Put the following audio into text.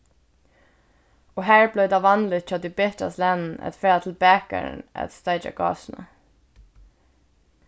og har bleiv tað vanligt hjá tí betra slagnum at fara til bakarin at steikja gásina